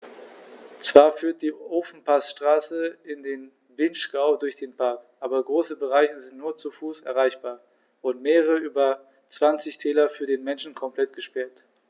Zwar führt die Ofenpassstraße in den Vinschgau durch den Park, aber große Bereiche sind nur zu Fuß erreichbar und mehrere der über 20 Täler für den Menschen komplett gesperrt.